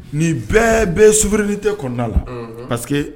Ni bɛɛ bɛ subiriini tɛ kɔnɔnada la parce